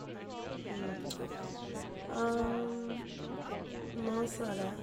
Nå så er det...